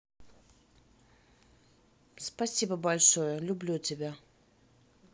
спасибо большое люблю тебя